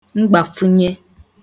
mgbàkwfunye